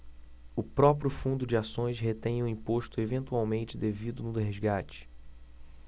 o próprio fundo de ações retém o imposto eventualmente devido no resgate